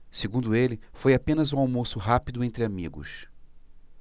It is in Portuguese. segundo ele foi apenas um almoço rápido entre amigos